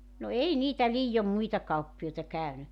no ei niitä liioin muita kauppiaita käynyt